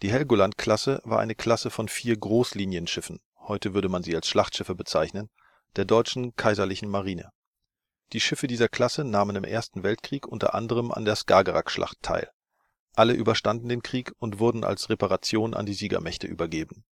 Helgoland-Klasse war eine Klasse von vier Großlinienschiffen (Schlachtschiffen) der deutschen Kaiserlichen Marine. Die Schiffe dieser Klasse nahmen im Ersten Weltkrieg unter anderem an der Skagerrakschlacht teil. Alle überstanden den Krieg und wurden als Reparation an die Siegermächte übergeben